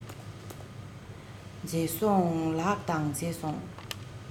མཛེས སོང ལགས དང མཛེས སོང